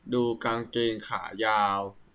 ดูกางเกงขายาว